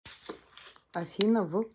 афина в